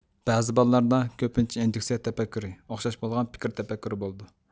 بەزى بالىلاردا كۆپىنچە ئىندۇكسىيە تەپەككۇرى ئوخشاش بولغان پىكىر تەپەككۇرى بولىدۇ